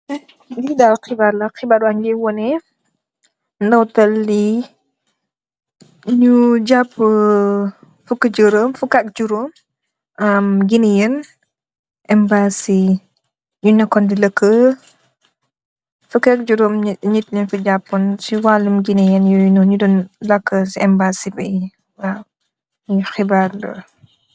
Lii daal xibaar la, xibaar baa ngee wane, nootel li, ñu jaapu, si fuuku ak juroom i Gineyan, embaasi. Fuka ak juroom mi Gineyan, lañ jaapoon noon, ñu doon lakë seen embaasi boob, waaw, lii xibaar la.